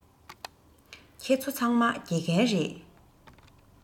ཁྱེད ཚོ ཚང མ དགེ རྒན རེད